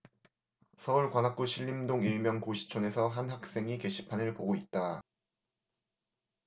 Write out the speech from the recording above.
서울 관악구 신림동 일명 고시촌에서 한 학생이 게시판을 보고 있다